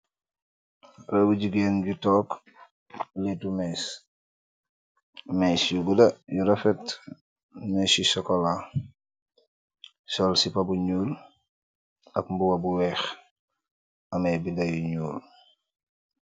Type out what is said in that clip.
Haleh bu jigeen bu toog letu mess mess yu guda yu refet mess yu chocola sool sippa bu nuul ak mbuba bu weex ameh binda yu nuul.